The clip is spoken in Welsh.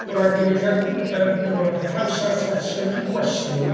Rŵan, gyfeillion, yym dwi'n meddwl mai peth hawsa, os da- os gynnoch chi gwestiwn,